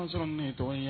N' sɔrɔ ninnu ye tɔgɔ ye